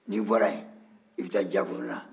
n'i bɔra yen i bɛ taa jakuruna